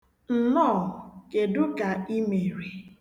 Nnọọ, kedụ ka ị mere?